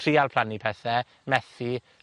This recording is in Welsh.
trial plannu pethe, methu,